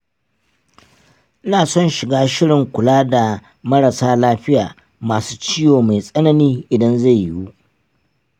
ina son shiga shirin kula da marasa lafiya masu ciwo mai tsanani idan zai yiwu.